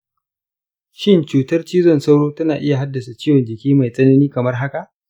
shin cutar cizon sauro tana iya haddasa ciwon jiki mai tsanani kamar haka?